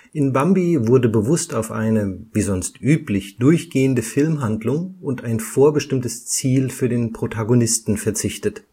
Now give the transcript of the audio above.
In Bambi wurde bewusst auf eine – wie sonst üblich – durchgehende Filmhandlung und ein vorbestimmtes Ziel für den Protagonisten verzichtet